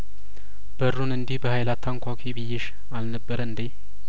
በሩን እንዲህ በሀይል አታንኳኲ ብዬሽ አልነበረ እንዴ